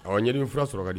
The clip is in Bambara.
Ɔ ɲ fila sɔrɔ di